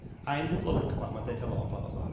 I'm the bloke Wel, mae'n deud helo, bla, bla, bla.